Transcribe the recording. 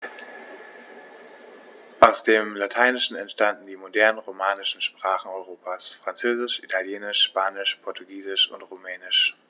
Aus dem Lateinischen entstanden die modernen „romanischen“ Sprachen Europas: Französisch, Italienisch, Spanisch, Portugiesisch und Rumänisch.